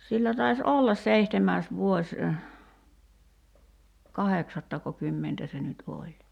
sillä taisi olla seitsemäs vuosi kahdeksattako kymmentä se nyt oli